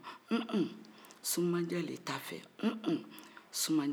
un-un sumanjɛ le fara